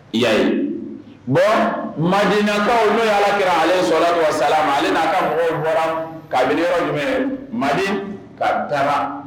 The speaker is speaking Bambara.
Y ya bɔn madiinakaww n'o alakira ale ye sɔrɔlawa sala ma ale n'a ka mɔgɔ in bɔra ka yɔrɔ jumɛn madi ka taara